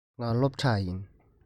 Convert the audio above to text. ང སློབ ཕྲུག ཡིན